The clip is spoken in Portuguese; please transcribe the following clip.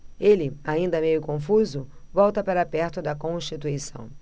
ele ainda meio confuso volta para perto de constituição